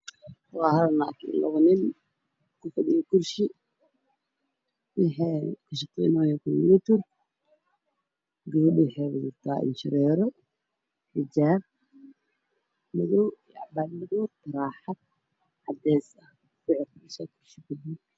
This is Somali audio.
Waa wiilka baris la socda wiilku wataa shaata cad iyo surl madow ah gabadha waxay wadataa xijaab midowga shuko jaalalaa iyo taraaxad caddaan